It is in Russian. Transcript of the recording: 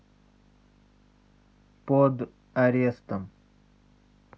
под арестом